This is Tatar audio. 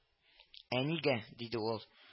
Ә нигә — диде ул